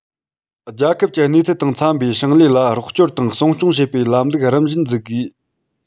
རྒྱལ ཁབ ཀྱི གནས ཚུལ དང འཚམ པའི ཞིང ལས ལ རོགས སྐྱོར དང སྲུང སྐྱོང བྱེད པའི ལམ ལུགས རིམ བཞིན འཛུགས དགོས